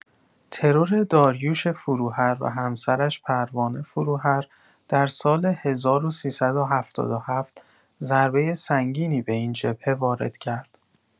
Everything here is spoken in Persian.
ترور داریوش فروهر و همسرش پروانه فروهر در سال ۱۳۷۷ ضربه سنگینی به این جبهه وارد کرد.